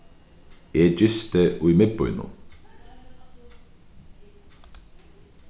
eg gisti í miðbýnum